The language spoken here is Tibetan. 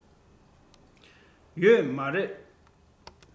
ཡོད མ རེད